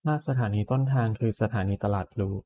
ถ้าสถานีต้นทางคือสถานีตลาดพลู